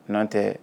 Dunanan tɛ